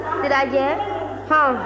sirajɛ hɔn